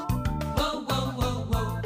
Baw ko wa